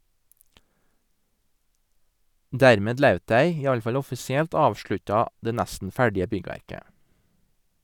Dermed laut dei - i alle fall offisielt - avslutta det nesten ferdige byggverket.